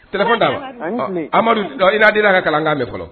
Téléphone d'a ma. A' ni tile! Amadu ɔ inateyinaka kalan an ka mɛn fɔlɔ